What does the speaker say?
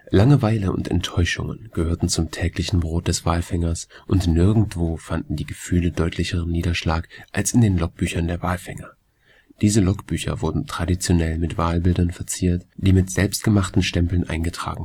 Langeweile und Enttäuschungen gehörten zum täglichen Brot des Walfängers und nirgendwo fanden die Gefühle deutlicheren Niederschlag als in den Logbüchern der Walfänger. Diese Logbücher wurden traditionell mit Walbildern verziert, die mit selbstgemachten Stempeln eingetragen